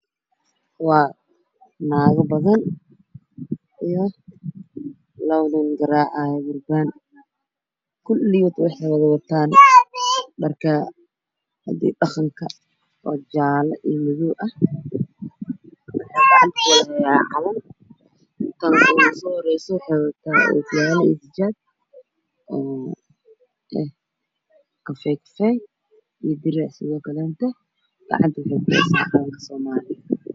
Meeshan waxa ka muuqda dumar fara badan waxa ayna watan calan waxana ag fadhiya labo nin